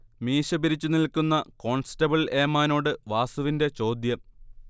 മീശ പിരിച്ചു നിൽക്കുന്ന കോൺസ്റ്റബിൾ ഏമാനോട് വാസുവിന്റെ ചോദ്യം